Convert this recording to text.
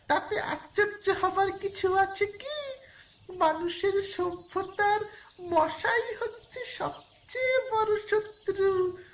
তাতে আশ্চর্য হবার কিছু আছে কি মানুষের সভ্যতা এ মশাই হচ্ছে সবচেয়ে বড় শত্রু